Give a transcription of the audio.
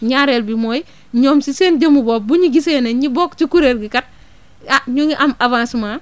ñaareel bi mooy ñoom si seen jëmmu bopp bu ñu gisee ne ñi bokk ci kuréel gi kat ah ñu ngi am avancement